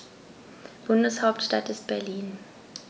Bundeshauptstadt ist Berlin.